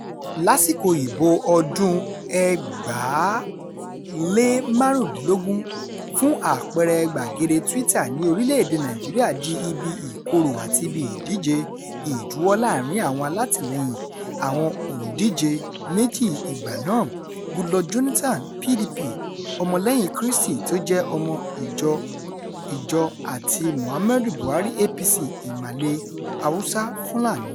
Lásìkò ìbò ọdún-un 2015, fún àpẹẹrẹ, gbàgede Twitter ní orílẹ̀-èdèe Nàìjíríà di ibi ìkorò àti ibi ìdíje ìjuwọ́ láàárín àwọn alátìlẹ́yìn àwọn òǹdíje méjì ìgbà náà, Goodluck Jonathan (PDP, ọmọ lẹ́yìn Krístì tó jẹ́ ọmọ Ijaw) àti Muhammadu Buhari (APC, Ìmàle, Hausa, Fulani).